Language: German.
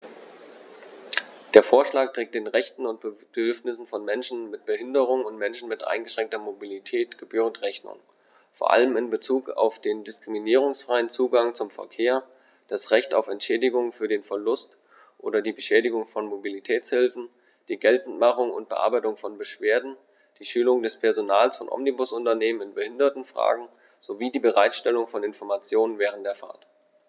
Der Vorschlag trägt den Rechten und Bedürfnissen von Menschen mit Behinderung und Menschen mit eingeschränkter Mobilität gebührend Rechnung, vor allem in Bezug auf den diskriminierungsfreien Zugang zum Verkehr, das Recht auf Entschädigung für den Verlust oder die Beschädigung von Mobilitätshilfen, die Geltendmachung und Bearbeitung von Beschwerden, die Schulung des Personals von Omnibusunternehmen in Behindertenfragen sowie die Bereitstellung von Informationen während der Fahrt.